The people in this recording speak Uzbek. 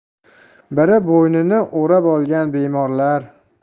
biri bo'ynini o'rab olgan bemorlar